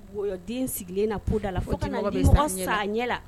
Yɔ den sigilen na'o da la fo ka sara a ɲɛla